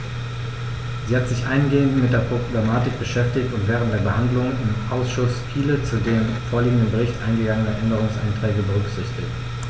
Sie hat sich eingehend mit der Problematik beschäftigt und während der Behandlung im Ausschuss viele zu dem vorliegenden Bericht eingegangene Änderungsanträge berücksichtigt.